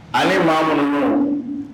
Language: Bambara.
Ani maa minnuunu